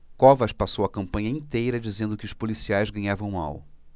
covas passou a campanha inteira dizendo que os policiais ganhavam mal